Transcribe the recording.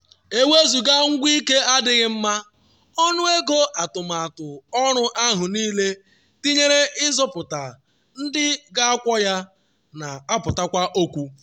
Ewezuga ngwaike adịghị mma, ọnụego atụmatụ ọrụ ahụ niile - tinyere ịzụpụta ndị ga-akwọ ya - na-apụtakwa okwu.